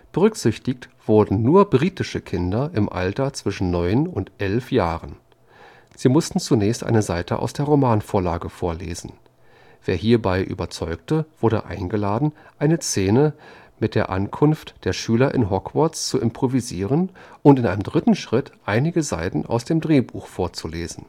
Berücksichtigt wurden nur britische Kinder im Alter zwischen neun und elf Jahren. Sie mussten zunächst eine Seite aus der Romanvorlage vorlesen; wer hierbei überzeugte, wurde eingeladen, eine Szene von der Ankunft der Schüler in Hogwarts zu improvisieren und in einem dritten Schritt einige Seiten aus dem Drehbuch vorzulesen